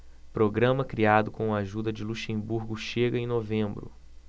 programa criado com a ajuda de luxemburgo chega em novembro